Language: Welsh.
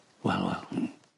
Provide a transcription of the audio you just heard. Wel wel. Hmm.